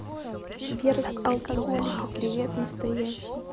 сбер алкоголика привет настоящий